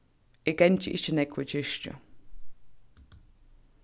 eg gangi ikki nógv í kirkju